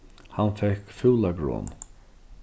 hann fekk fúla gron